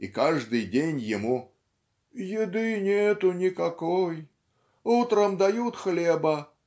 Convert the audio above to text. и каждый день ему "еды нету никакой". "Утром дают хлеба